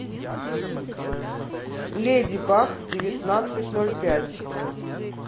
леди баг девятнадцать ноль пять